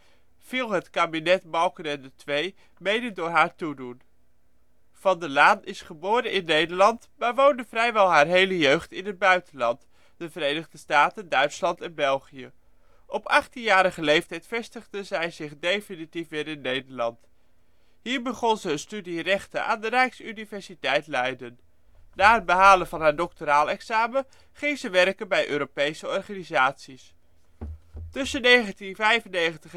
viel het kabinet Balkenende II mede door haar toedoen. Van der Laan is geboren in Nederland maar woonde vrijwel haar hele jeugd in het buitenland (Verenigde Staten, Duitsland en België). Op 18-jarige leeftijd vestigde zij zich definitief weer in Nederland. Hier begon ze een opleiding rechten aan de Rijksuniversiteit Leiden. Na het behalen van haar doctoraalexamen ging ze werken bij Europese organisaties. Tussen 1995 en 1999 werkte